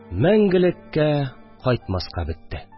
Мәңгелеккә кайтмаска бетте